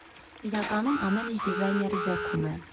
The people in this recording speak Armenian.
Իրականում, ամեն ինչ դիզայների ձեռքում է։